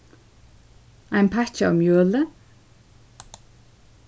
ein pakki av mjøli